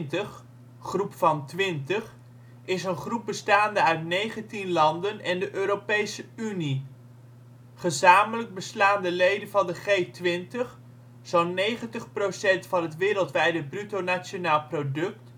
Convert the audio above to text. De G20 (Groep van 20) is een groep bestaande uit 19 landen en de Europese Unie. Gezamenlijk beslaan de leden van de G20 zo 'n 90 % van het wereldwijde Bruto nationaal product